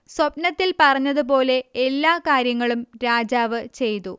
സ്വപ്നത്തിൽ പറഞ്ഞതുപോലെ എല്ലാ കാര്യങ്ങളും രാജാവ് ചെയ്തു